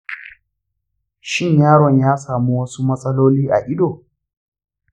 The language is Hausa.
shin yaron ya samu wasu matsaloli a ido?